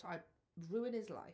I'd ruin his life.